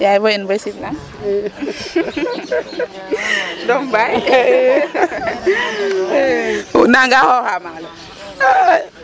yaay noy in mboy simnang dom baay wo nangaa xooxaa maalo ?